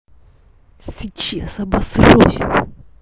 сейчас обосрусь